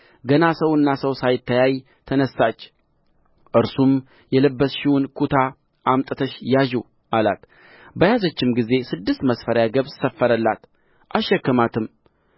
ገና ሰውና ሰው ሳይተያይ ተነሣች እርሱም የለበስሽውን ኩታ አምጥተሽ ያዢው አላት በያዘችም ጊዜ ስድስት መስፈሪያ ገብስ ሰፈረላት አሸከማትም